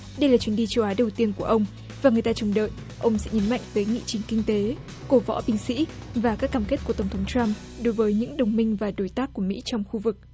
đây là chuyến đi châu á đầu tiên của ông và người ta trông đợi ông sẽ nhấn mạnh với nghị trình kinh tế cổ võ binh sĩ và các cam kết của tổng thống trăm đối với những đồng minh và đối tác của mỹ trong khu vực